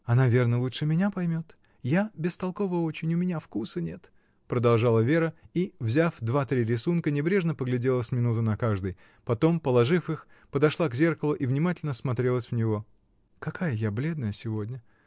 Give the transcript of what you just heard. — Она, верно, лучше меня поймет: я бестолкова очень, у меня вкуса нет, — продолжала Вера и, взяв два-три рисунка, небрежно поглядела с минуту на каждый, потом, положив их, подошла к зеркалу и внимательно смотрелась в него. — Какая я бледная сегодня!